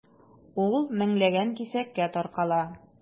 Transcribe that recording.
Ул меңләгән кисәккә таркала.